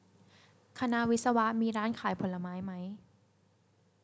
คณะวิศวะมีร้านขายผลไม้ไหม